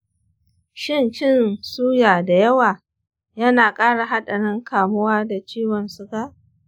shin cin suya da yawa na ƙara haɗarin kamuwa da ciwon suga?